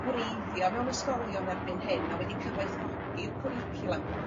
gwreiddio mewn ysgolion erbyn hyn a wedi cyfoethogi'r cwricwlwm